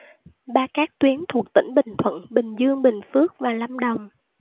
ba các tuyến thuộc tỉnh bình thuận bình dương bình phước và lâm đồng